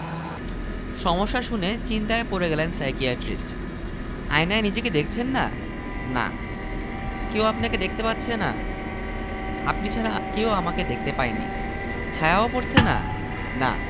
সমস্যা শুনে চিন্তায় পড়ে গেলেন সাইকিয়াট্রিস্ট আয়নায় নিজেকে দেখছেন না না কেউ আপনাকে দেখতে পাচ্ছে না আপনি ছাড়া কেউ আমাকে দেখতে পায়নি ছায়াও পড়ছে না না